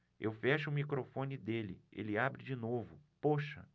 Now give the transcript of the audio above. eu fecho o microfone dele ele abre de novo poxa